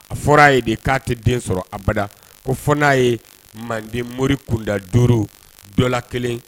A fɔra a ye de k'a tɛ den sɔrɔ abada fɔ n'a ye manden mori kunda duuru dɔ la kelen